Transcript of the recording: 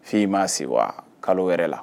kalo wɛrɛ la